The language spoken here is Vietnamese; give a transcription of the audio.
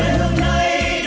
quê